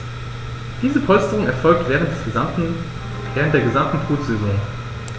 Diese Polsterung erfolgt während der gesamten Brutsaison.